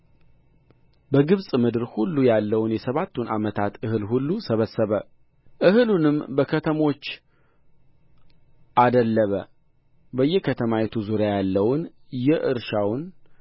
በግብፅ ምድር ሁሉ ያለውን የሰባቱን ዓመት እህል ሁሉ ሰበሰበ እህልንም በከተሞቹ አደለበ በየከተማይቱ ዙሪያ ያለውን የእርሻውን